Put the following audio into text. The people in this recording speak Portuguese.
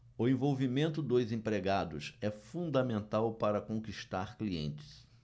o envolvimento dos empregados é fundamental para conquistar clientes